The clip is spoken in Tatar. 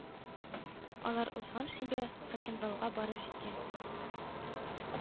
Алар узган шимбә Цхенвалга барып җиткән